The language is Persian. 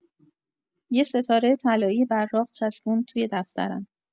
یه ستاره طلایی براق چسبوند توی دفترم.